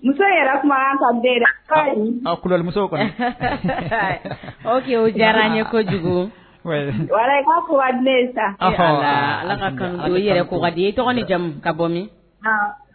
Muso yɛrɛ kuma a kumuso oke o diyara n ye kojugu sa yɛrɛdi ye tɔgɔ jamu ka bɔ min